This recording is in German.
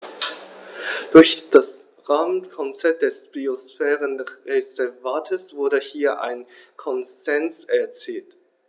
Durch das Rahmenkonzept des Biosphärenreservates wurde hier ein Konsens erzielt.